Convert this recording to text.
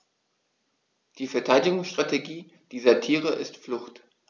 Die Verteidigungsstrategie dieser Tiere ist Flucht.